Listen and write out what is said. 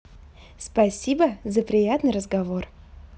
спасибо за приятный разговор